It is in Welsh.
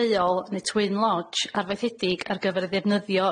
ddeuol ne' twin lodge arfaethedig ar gyfer ddefnyddio fel